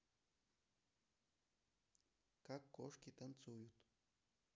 как кошки танцуют